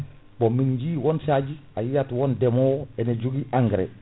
bon min ji won sahaji a yiyat ndeemowo ene jogui engrais